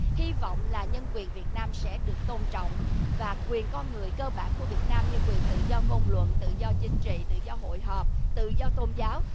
hy vọng là nhân quyền việt nam sẽ được tôn trọng và quyền con người cơ bản của việt nam như quyền tự do ngôn luận tự do chính trị tự do hội họp tự do tôn giáo